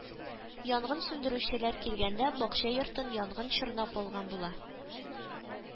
Янгын сүндерүчеләр килгәндә, бакча йортын янгын чорнап алган була